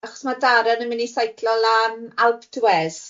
achos ma Darren yn mynd i seiclo lan Alpe d'Huez.